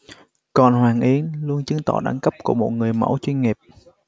còn hoàng yến luôn chứng tỏ đẳng cấp của một người mẫu chuyên nghiệp